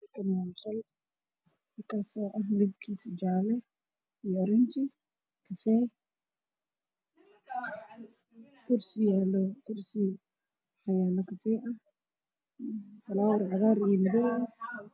Waa maqaayad waxaa yaalo kuraas fadhiya hoobidafkoodu yahay qaxoo daawi t leh waxa ka is